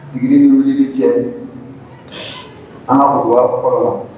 Sigi ni wuli cɛ a mɔgɔ fɔlɔ la